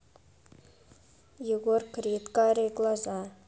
егор крид карие глаза